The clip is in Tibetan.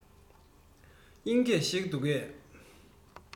དབྱིན སྐད ཤེས ཀྱི འདུག གས